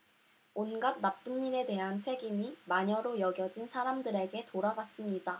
온갖 나쁜 일에 대한 책임이 마녀로 여겨진 사람들에게 돌아갔습니다